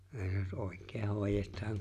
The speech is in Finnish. se jos oikein hoidetaan